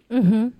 Unhun